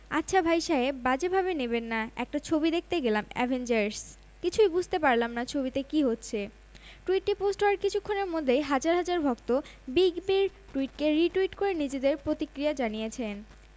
আচ্ছা ভাই সাহেব বাজে ভাবে নেবেন না একটা ছবি দেখতে গেলাম অ্যাভেঞ্জার্স কিছু বুঝতেই পারলাম না ছবিতে কী হচ্ছে টুইটটি পোস্ট হওয়ার কিছুক্ষণের মধ্যেই হাজার হাজার ভক্ত বিগ বির টুইটকে রিটুইট করে নিজেদের প্রতিক্রিয়া জানিয়েছেন